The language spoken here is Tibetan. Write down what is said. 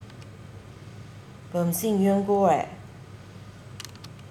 བམ སྲིང གཡོན སྐོར བས